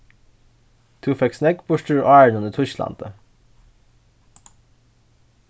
tú fekst nógv burtur úr árinum í týsklandi